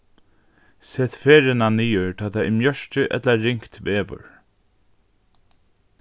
set ferðina niður tá tað er mjørki ella ringt veður